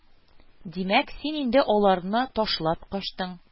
Димәк, син инде аларны ташлап качтың